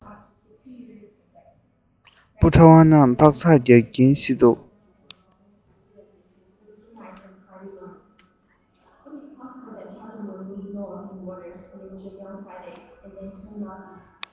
འབུ ཕྲ བ རྣམས འཕག འཚག རྒྱག གིན ཤི འདུག